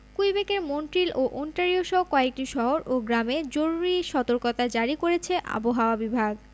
কুইবেকের মন্ট্রিল ওন্টারিওসহ কয়েকটি শহর ও গ্রামে জরুরি সতর্কতা জারি করেছে আবহাওয়া বিভাগ